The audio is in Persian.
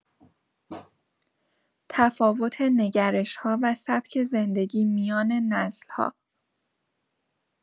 تفاوت نگرش‌ها و سبک زندگی میان نسل‌ها